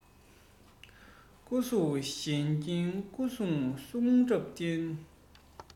སྐུ གཟུགས ཞལ སྐྱིན སྐུ གདུང གསུང རབ རྟེན